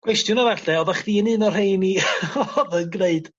cwestiwn arall de oddach chdi'n un o rheini odd yn gneud?